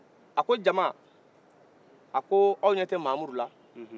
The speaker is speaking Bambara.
a ko jaama a ko aw ɲɛtɛ mamuru la